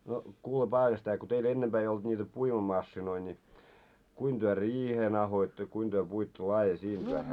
no kuule Paavali-setä kun teillä ennempää ei ollut niitä puimamasiinoita niin kuinka te riihen ahdoitte ja kuinka te puitte laadi siitä vähän